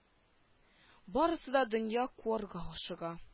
Барысы да дөнья куарга ашыга